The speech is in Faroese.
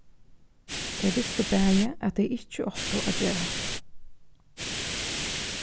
tey vistu bæði at tey ikki áttu at gera hatta